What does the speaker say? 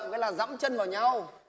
cái là dẫm chân vào nhau